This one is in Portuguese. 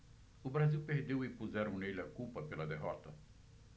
o brasil perdeu e puseram nele a culpa pela derrota